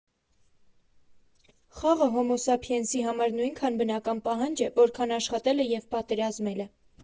Խաղը հոմո֊սափիենսի համար նույնքան բնական պահանջ է, որքան աշխատելը և պատերազմելը։